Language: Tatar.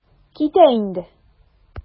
Китә инде.